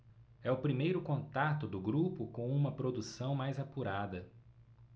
é o primeiro contato do grupo com uma produção mais apurada